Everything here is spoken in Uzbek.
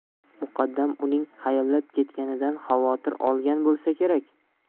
muqaddam uning hayallab ketganidan xavotir olgan bo'lsa kerak